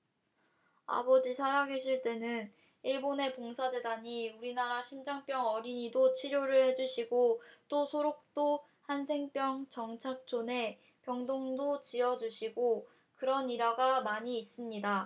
아버지 살아계실 때는 일본의 봉사재단이 우리나라 심장병 어린이도 치료를 해주시고 또 소록도 한센병 정착촌에 병동도 지어주시고 그런 일화가 많이 있습니다